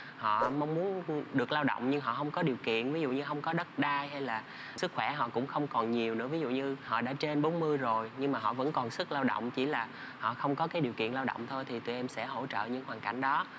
họ mong muốn được lao động nhưng họ không có điều kiện ví dụ như không có đất đai hay là sức khỏe họ cũng không còn nhiều nữa ví dụ như họ đã trên bốn mươi rồi nhưng mà họ vẫn còn sức lao động chỉ là họ không có cái điều kiện lao động thôi thì tụi em sẽ hỗ trợ những hoàn cảnh đó